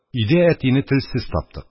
Өйдә әтине телсез таптык.